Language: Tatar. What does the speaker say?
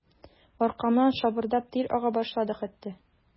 Аркамнан шабырдап тир ага башлады хәтта.